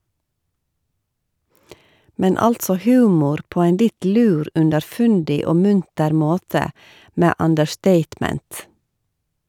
Men altså humor på ein litt lur, underfundig og munter måte, med understatement.